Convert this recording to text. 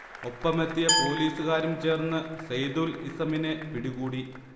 ഒപ്പമെത്തിയ പോലീസുകാരും ചേർന്ന് സെയ്തുൽ ഇസമിനെ പിടികൂടി